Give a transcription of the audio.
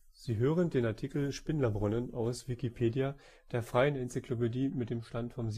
Sie hören den Artikel Spindlerbrunnen, aus Wikipedia, der freien Enzyklopädie. Mit dem Stand vom